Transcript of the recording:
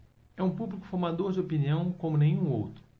é um público formador de opinião como nenhum outro